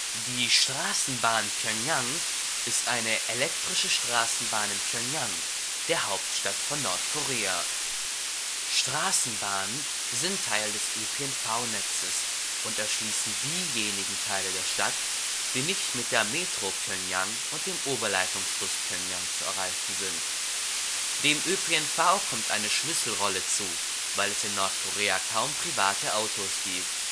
Die Straßenbahn Pjöngjang ist eine elektrische Straßenbahn in Pjöngjang, der Hauptstadt von Nordkorea. Straßenbahnen sind Teil des ÖPNV-Netzes und erschließen diejenigen Teile der Stadt, die nicht mit der Metro Pjöngjang und dem Oberleitungsbus Pjöngjang zu erreichen sind. Dem ÖPNV kommt eine Schlüsselrolle zu, weil es in Nordkorea kaum private Autos gibt